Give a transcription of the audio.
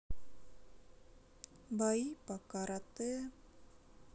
бои по карате